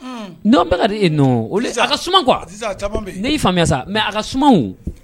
Un, et non a ka suma quoi sisan a caman bɛ yen, ne y'i faamuya o mais a ka suma o